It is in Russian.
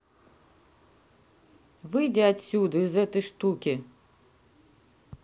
выйди отсюда из этой штуки